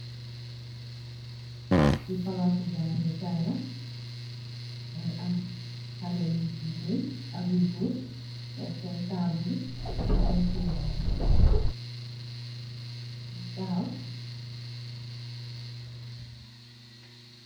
Fii Palasi jangèè kai la mu am halè yu gigeen ak yu gór tóóg sen tabull yi ak sen tohgu ñi ngi taxaw.